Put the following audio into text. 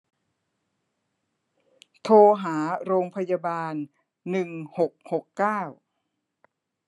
โทรหาโรงพยาบาลหนึ่งหกหกเก้า